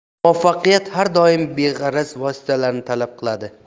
katta muvaffaqiyat har doim beg'araz vositalarni talab qiladi